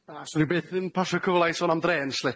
Na, swn i byth yn pasio cyfla i sôn am drêns li.